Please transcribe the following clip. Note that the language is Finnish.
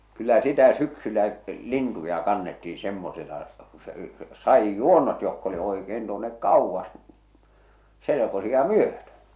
kyllä sitä syksyllä lintuja kannettiin semmoisella kun se sadinjuonnot jotka oli oikein tuonne kauas selkosia myöten